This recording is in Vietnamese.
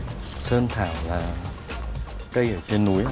sơn thảo là cây ở trên núi a